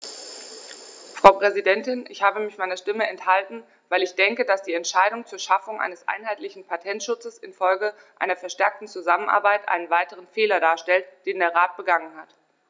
Frau Präsidentin, ich habe mich meiner Stimme enthalten, weil ich denke, dass die Entscheidung zur Schaffung eines einheitlichen Patentschutzes in Folge einer verstärkten Zusammenarbeit einen weiteren Fehler darstellt, den der Rat begangen hat.